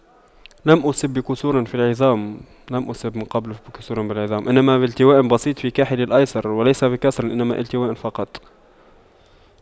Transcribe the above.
لم أصب بكسور في العظام لم أصب من قبل بكسور بالعظام انما بالتواء بسيط في كاحلي الايسر وليس بكسر إنما التواء فقط